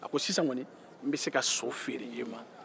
a ko sisan kɔni n bɛ se ka so feere e ma